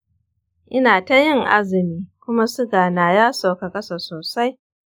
ina ta yin azumi kuma sugana ya sauka ƙasa sosai.